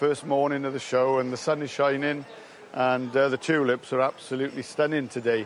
First morning of the show and the sun is shining and uh the tulips are absolutely stunning today.